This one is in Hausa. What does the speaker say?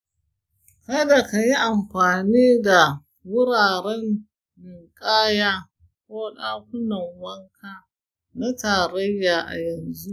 kada ka yi amfani da wuraren ninkaya ko dakunan wanka na tarayya a yanzu.